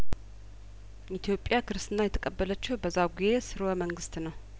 ኢትዮጵያ ክርስትናን የተቀበለችው በዛጔ ስርወ መንግስት ነው